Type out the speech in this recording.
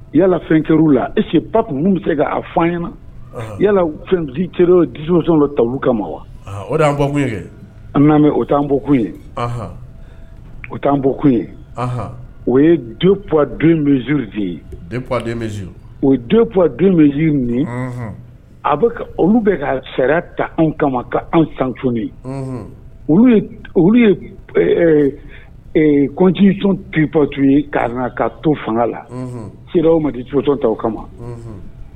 Yalala fɛn kɛ la ese ba tun bɛ se k'a fɔ ɲɛna yalarro disɔn talu kama ma wa o kɛ an'a mɛ o t'an bɔ kun ye o t'an bɔ kun ye o ye dop don bɛi ye o dop don bɛ z nin a bɛ olu bɛ ka fɛ ta anw kama ka anw santun olu ye kotip tun ye k' ka to fanga la se ma disɔn ta kama